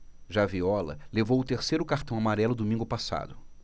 já viola levou o terceiro cartão amarelo domingo passado